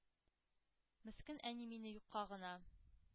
Мескен әни мине юкка гына